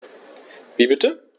Wie bitte?